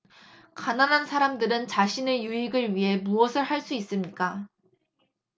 가난한 사람들은 자신의 유익을 위해 무엇을 할 수 있습니까